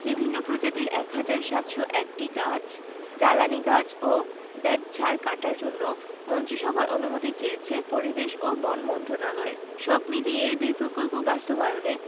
বিভিন্ন প্রজাতির ১ হাজার ৭০১টি গাছ জ্বালানি গাছ ও বেতঝাড় কাটার জন্য মন্ত্রিসভার অনুমতি চেয়েছে পরিবেশ ও বন মন্ত্রণালয় সব মিলিয়ে দুই প্রকল্প বাস্তবায়নে